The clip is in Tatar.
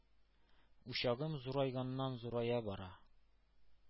Учагым зурайганнан-зурая бара.